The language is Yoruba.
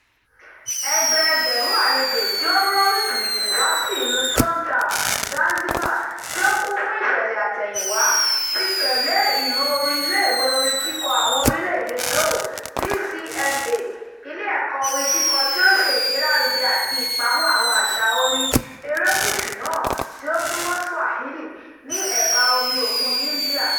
Ẹgbẹẹgbẹ̀rún àlejò tí ó ń rọ́ wìtìwìtì wá sí ìlú Stone Town, Zanzibar tí ó kún fún ìṣẹ̀lẹ̀ àtẹ̀yìnwá, ti tẹ̀lé ìró orin Iléèwé Orin kíkọ Àwọn Orílẹ̀-èdèe Dhow (DCMA), ilé ẹ̀kọ́ orin kíkọ tí ó ń ṣe ìgbélárugẹ àti ìpamọ́ àwọn àṣà orin erékùṣù náà tí ó sún mọ́ Swahili ní ẹ̀báa Omi Òkun India.